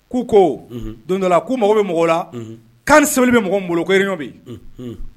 Ko ko dondala ko mɔgɔ bɛ mɔgɔ la' sɛbɛn bɛ mɔgɔgolo koiriy bi